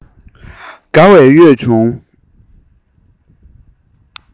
དགའ བས གཡོས བྱུང